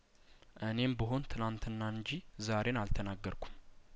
እኔም ብሆን ትላንትና እንጅ ዛሬን አልተናገር ኩም